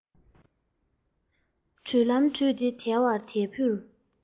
འདྲུད ལྷམ དྲུད དེ དལ བ དལ བུར